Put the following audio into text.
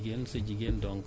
ak njabootam gi yépp